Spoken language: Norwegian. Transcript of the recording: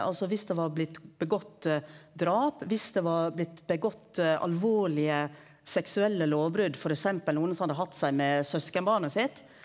altså viss det var blitt gjort drap, viss det var blitt gjort alvorlege seksuelle lovbrot, f.eks. nokon som hadde hatt seg med søskenbarnet sitt,